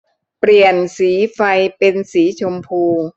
เปลี่ยนสีไฟเป็นสีชมพู